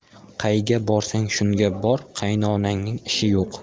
qayga borsang shunda bor qaynonangning ishi yo'q